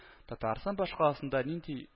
Татарстан башкаласында нинди